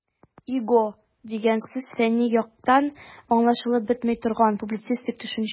"иго" дигән сүз фәнни яктан аңлашылып бетми торган, публицистик төшенчә.